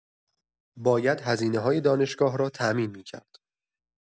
باید هزینه‌های دانشگاه را تامین می‌کرد.